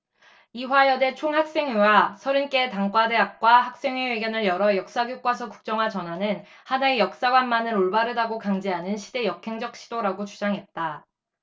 이화여대 총학생회와 서른 개 단과대 학과 학생회 회견을 열어 역사 교과서 국정화 전환은 하나의 역사관만을 올바르다고 강제하는 시대 역행적 시도라고 주장했다